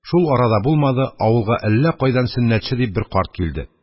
Шул ара да булмады, авылга әллә кайдан, «сөннәтче» дип, бер карт килде.